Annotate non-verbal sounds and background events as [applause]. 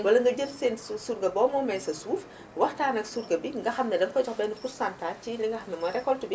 walla nga jël seen surga boo moomee sa suuf waxtaan ak surga bi nga xam ne danga koy jox benn pourcentage [hesitation] [hesitation] ci li nga xam ne mooy récolte bi